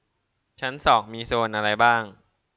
ชั้นสองมีโซนอะไรบ้าง